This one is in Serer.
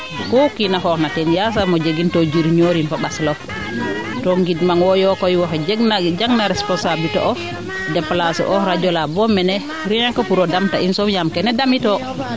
ku kiina xoox na teen yasam o jegin to jirñorin fo ɓaslof to ngind mang wo o wo fee jang na responsablité of deplacer oox radio laa boo mene rien que pour o damta in soom yam kene damitoo